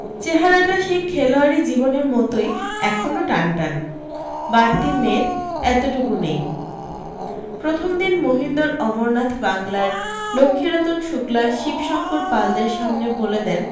চেহারাটা সেই খেলোয়াড়ী জীবনের মতোই এখনও টানটান বাড়তি মেদ এতটুকু নেই প্রথম দিন মহিন্দর অমরনাথ বাংলার লক্ষীরতন শুক্লা শিবশংকর পালদের সামনে বলে দেন